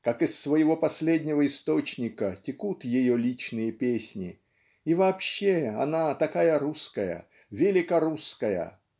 как из своего последнего источника текут ее личные песни и вообще она такая русская великорусская